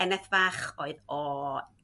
eneth fach oedd o